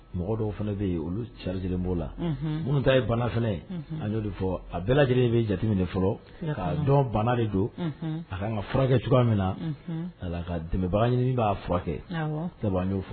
Mɔgɔ dɔw fana bɛ yen olu chargé len b'o la, unhun, minnu ta ye bana fana an y'o de fɔ a bɛɛ lajɛlen bɛ jateminɛ fɔlɔ k'a dɔn bana de don, unnun, a ka kan ka furakɛ cogoya min na, unhun, ka dɛmɛbaga ɲini min b'a furakɛ, awɔ, sabu an y'o fɔ